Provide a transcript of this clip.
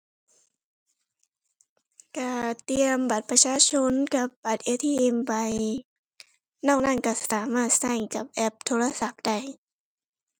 ก็เตรียมบัตรประชาชนกับบัตร ATM ไป นอกนั้นก็สามารถก็จากแอปโทรศัพท์ได้